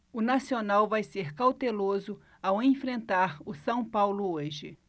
o nacional vai ser cauteloso ao enfrentar o são paulo hoje